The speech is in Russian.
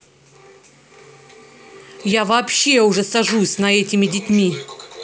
я вообще уже сажусь на этими детьми